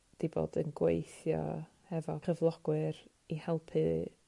'di bod yn gweithio efo cyflogwyr i helpu